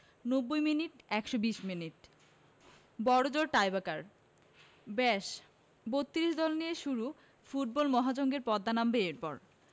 ৯০ minute ১২০ minute বড়জোর tiebreaker ব্যস ৩২ দল নিয়ে শুরু ফুটবল মহাযজ্ঞের পর্দা নামবে এরপর